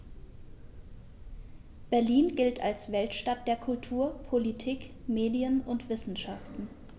Berlin gilt als Weltstadt der Kultur, Politik, Medien und Wissenschaften.